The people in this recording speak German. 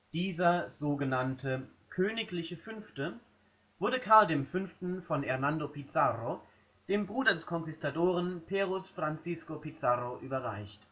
Dieser sogenannte „ königliche Fünfte “wurde Karl V. von Hernando Pizarro, dem Bruder des Konquistadoren Perus Francisco Pizarro überreicht